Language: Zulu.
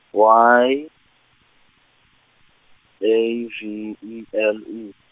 Y, A V E L E.